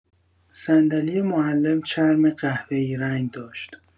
صندلی معلم چرم قهوه‌ای رنگ داشت.